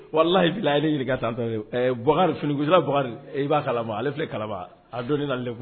Walalahi bila taakari fla i b'a kalama ale filɛ kalaba a don le